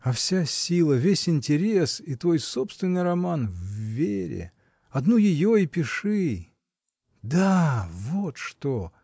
А вся сила, весь интерес и твой собственный роман — в Вере: одну ее и пиши! Да, вот что!.